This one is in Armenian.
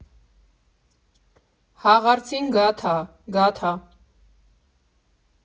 Հաղարծին գաթա գաթա։